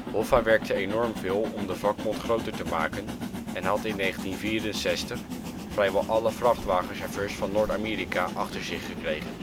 Hoffa werkte enorm veel om de vakbond groter te maken en had in 1964 vrijwel alle vrachtwagenchauffeurs van Noord-Amerika achter zich gekregen